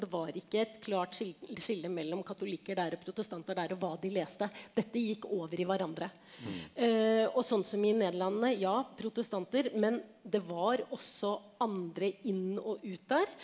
det var ikke et klart skille mellom katolikker der og protestanter der og hva de leste dette gikk over i hverandre og sånn som i Nederland ja protestanter, men det var også andre inn og ut der.